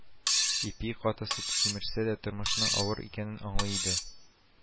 Ипи катысы кимерсә дә тормышның авыр икәнен аңлый иде